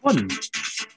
Hwn?